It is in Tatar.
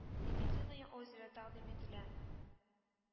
Лебединое озеро тәкъдим ителә